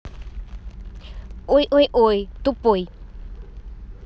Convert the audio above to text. ой ой ой тупой